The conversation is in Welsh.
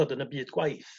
t'od yn y byd gwaith